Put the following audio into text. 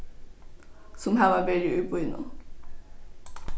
sum hava verið í býnum